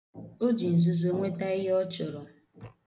O ji nzuzo nweta ihe ọ chọrọ.